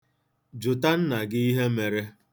Jụta nna gị ihe mere.